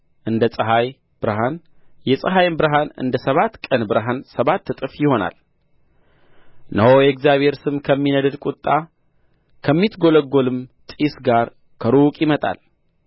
እንደ ፀሐይ ብርሃን የፀሐይም ብርሃን እንደ ሰባት ቀን ብርሃን ሰባት እጥፍ ይሆናል እነሆ የእግዚአብሔር ስም ከሚነድድ ቍጣ ከሚትጐለጐልም ጢስ ጋር ከሩቅ ይመጣል